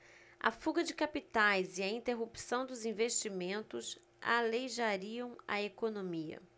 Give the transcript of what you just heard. a fuga de capitais e a interrupção dos investimentos aleijariam a economia